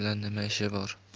bilan nima ishi bor